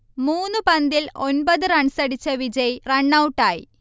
മൂന്നു പന്തിൽ ഒൻപത് റൺസടിച്ച വിജയ് റൺഔട്ടായി